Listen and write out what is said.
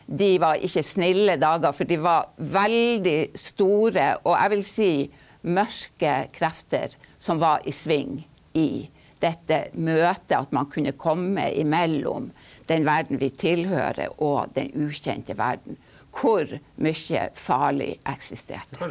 de var ikke snille dager, for de var veldig store og jeg vil si mørke krefter som var i sving i dette møtet at man kunne komme imellom den verden vi tilhører og den ukjente verden hvor mye farlig eksisterte.